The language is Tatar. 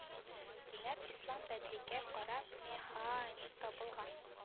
Кинәт ислам бәдригә карап меха-а-ник табылган